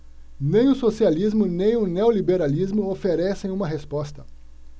nem o socialismo nem o neoliberalismo oferecem uma resposta